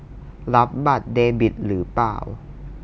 รับบัตรเดบิตหรือเปล่า